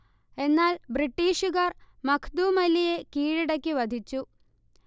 എന്നാൽ ബ്രിട്ടീഷുകാർ മഖ്ദൂം അലിയെ കീഴടക്കി വധിച്ചു